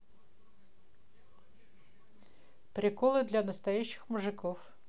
приколы для настоящих мужиков